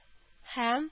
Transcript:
Һәм